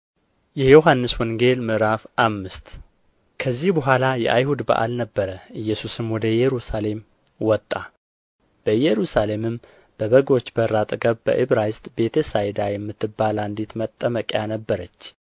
የዮሐንስ ወንጌል ምዕራፍ አምስት ከዚህ በኋላ የአይሁድ በዓል ነበረ ኢየሱስም ወደ ኢየሩሳሌም ወጣ በኢየሩሳሌምም በበጎች በር አጠገብ በዕብራይስጥ ቤተ ሳይዳ የምትባል አንዲት መጠመቂያ ነበረች